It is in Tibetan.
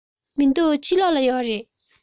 མི འདུག ཕྱི ལོགས ལ ཡོད རེད